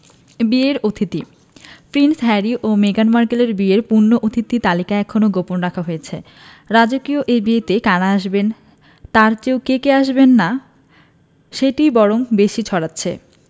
বিয়ের অতিথি prince Harry ও মেগান মার্কেলের বিয়ের পূর্ণ অতিথি তালিকা এখনো গোপন রাখা হয়েছে রাজকীয় এই বিয়েতে কারা আসবেন তার চেয়ে কে কে আসবেন না সেটিই বরং বেশি ছড়াচ্ছে